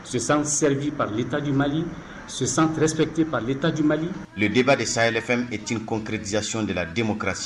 Se sent servir par l'État du Mali . Se sent respecté par l'État du Mali . Le débat de Sahel FM est une concrétisation de la démocratie